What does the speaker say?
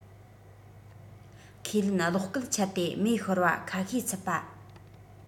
ཁས ལེན གློག སྐུད ཆད དེ མེ ཤོར བ ཁ ཤས ཚུད པ